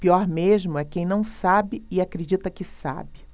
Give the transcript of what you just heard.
pior mesmo é quem não sabe e acredita que sabe